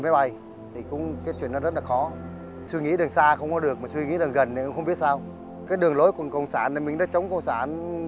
máy bay thì cũng tuyên truyền rất là khó suy nghĩ được xa không có được một suy nghĩ rằng gần nếu không biết sao cái đường lối của đảng cộng sản liên minh chống cộng sản